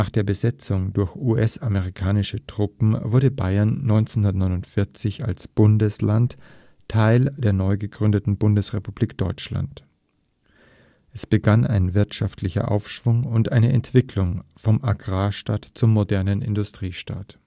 der Besetzung durch US-amerikanische Truppen wurde Bayern 1949 als Bundesland Teil der neu gegründeten Bundesrepublik Deutschland. Es begann ein wirtschaftlicher Aufschwung und eine Entwicklung vom Agrarstaat zum modernen Industriestaat